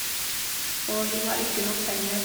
Og vi har ikke nok penger.